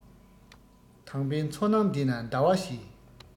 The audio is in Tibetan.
དྭངས པའི མཚོ ནང འདི ན ཟླ བ ཞེས